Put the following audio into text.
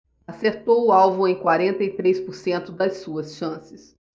acertou o alvo em quarenta e três por cento das suas chances